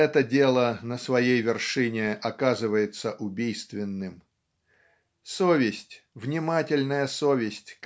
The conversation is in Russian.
это дело на своей вершине оказывается убийственным. Совесть внимательная совесть